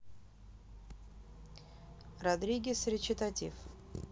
родригес речитатив